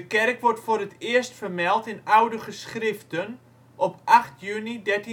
kerk wordt voor het eerst vermeld in oude geschriften op 8 juni 1360. Rond 1600